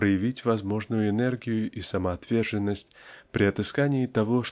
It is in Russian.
проявить возможную энергию и самоотверженность при отыскании того